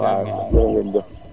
waaw jërë ngeen jëf